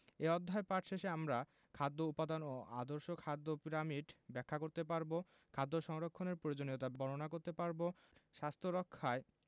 এ অধ্যায় পাঠ শেষে আমরা খাদ্য উপাদান ও আদর্শ খাদ্য পিরামিড ব্যাখ্যা করতে পারব খাদ্য সংরক্ষণের প্রয়োজনীয়তা বর্ণনা করতে পারব স্বাস্থ্য রক্ষায়